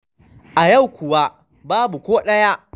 “A yau kuwa, babu ko ɗaya.”